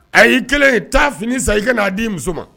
A y'i kelen ye taa fini san i ka n'a di muso ma